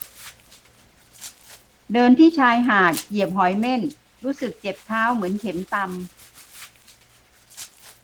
เดินที่ชายหาดเหยียบหอยเม่นรู้สึกเจ็บเท้าเหมือนเข็มตำ